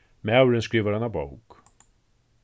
maðurin skrivar eina bók